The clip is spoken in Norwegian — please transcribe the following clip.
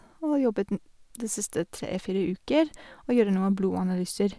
Og jobbet n de siste tre fire uker å gjøre noen blodanalyser.